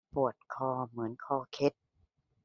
ปวดคอเหมือนคอเคล็ด